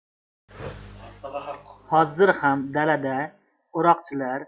hozir ham dalada o'roqchilar